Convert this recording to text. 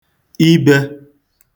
ibē